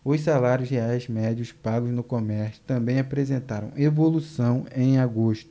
os salários reais médios pagos no comércio também apresentaram evolução em agosto